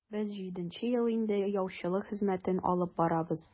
Без җиденче ел инде яучылык хезмәтен алып барабыз.